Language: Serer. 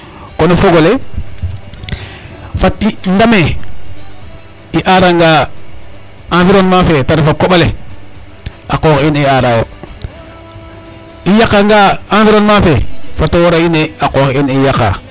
Kon o fog ole fat i ndam ee i aaranga environnement fe ta ref a koƥ ale a qoox in i aaraayo. I yaqanga environnement fe fat a wor a in ee a qoox in i yaqa.